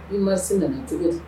I ma si nana tigɛ